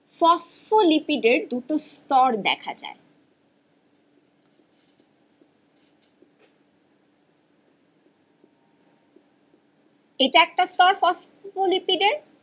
phospholipid এর দুটো স্তর দেখা যায় এটা একটা স্তর ফসফোলিপিড এর